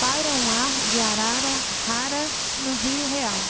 paira um ar de arara rara no rio real